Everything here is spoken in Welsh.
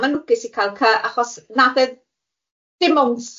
Ma'n lwcus i cal cy achos nath e ddim owns.